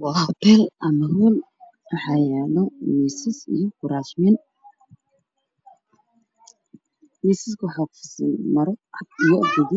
Waa hoteel ama hool waxayaalo miisas iyo kuraas miisaska waxa kumaran maro cad